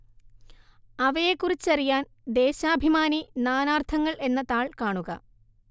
അവയെക്കുറിച്ചറിയാന്‍ ദേശാഭിമാനി നാനാര്‍ത്ഥങ്ങള്‍ എന്ന താള്‍ കാണുക